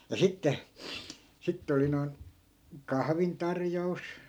ja sitten sitten oli noin kahvintarjous